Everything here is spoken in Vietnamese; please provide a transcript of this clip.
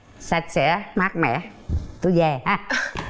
sạch sẽ mát mẻ tôi dề ha